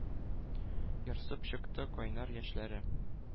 Ярсып чыкты кайнар яшьләре.